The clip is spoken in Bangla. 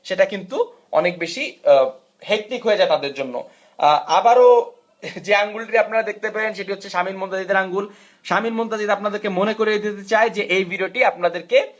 সেটা কিন্তু অনেক বেশি হেকনিক হয়ে যায় তাদের জন্য আবারো যে আঙ্গুলটি আপনার দেখতে পেলেন সেটি হচ্ছে শামীম মুনতাহিদ এর আঙ্গুল শামীম মুনতাহিদ আপনাদেরকে মনে করিয়ে দিতে চাই যে এই ভিডিওটি আপনাদেরকে